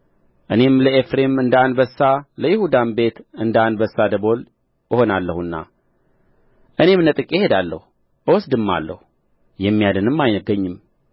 እኔም ለኤፍሬም እንደ አንበሳ ለይሁዳም ቤት እንደ አንበሳ ደቦል እሆናለሁና እኔም ነጥቄ እሄዳለሁ እወስድማለሁ የሚያድንም አይገኝም